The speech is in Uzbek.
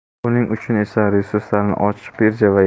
buning uchun esa resurslarni ochiq birja